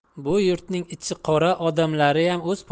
bu yurtning ichiqora odamlariyam